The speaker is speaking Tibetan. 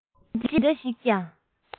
མཛད རྗེས ཇི འདྲ ཞིག གིས ཀྱང